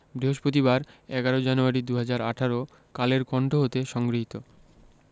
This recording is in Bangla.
বৃহস্পতিবার ১১ জানুয়ারি ২০১৮ কালের কন্ঠ হতে সংগৃহীত